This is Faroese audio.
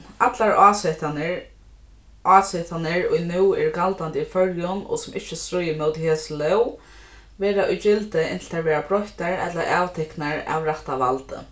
allar ásetanir ásetanir ið nú eru galdandi í føroyum og sum ikki stríða móti hesi lóg verða í gildi inntil tær verða broyttar ella avtiknar av rætta valdi